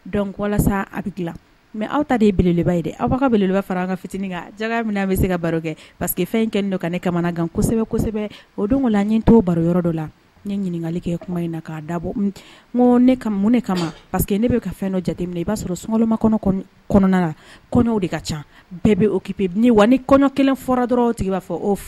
Aw aw bɛ se ka baro kɛ paseke in kɛ don ka ne kamana gansɛbɛsɛbɛ o don la to baro yɔrɔ dɔ la ɲininkakali kɛ kuma in na'a dabo mun ne kama paseke ne bɛ ka fɛn dɔ jateminɛ i b'a sɔrɔ sunma kɔnɔ kɔnɔna na kɔɲɔw de ka ca bɛɛ bɛ opi wa ni kɔɲɔ kelen fɔra dɔrɔn b'a fɔ